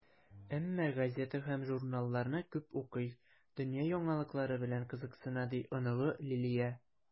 Әмма газета һәм журналларны күп укый, дөнья яңалыклары белән кызыксына, - ди оныгы Лилия.